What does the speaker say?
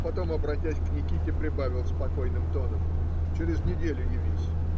потом, обратясь к Никите, прибавил спокойным тоном: - Через неделю явись.